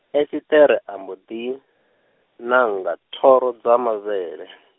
Esiṱere a mbo ḓi, na nga, thoro dza mavhele .